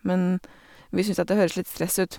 Men vi syns at det høres litt stress ut.